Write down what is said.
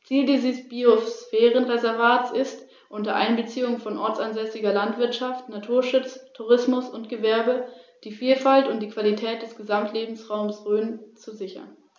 In seiner östlichen Hälfte mischte sich dieser Einfluss mit griechisch-hellenistischen und orientalischen Elementen.